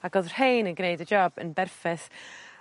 ag o'dd rhein yn gneud y job yn berffeth.